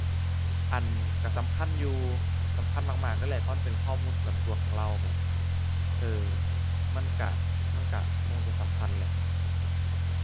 อั่น ก็สำคัญอยู่ สำคัญมากมากนั่นแหละ เพราะมันเป็นข้อมูลส่วนตัวของเราแหม เออ มันก็ มันก็คงจะสำคัญแหละ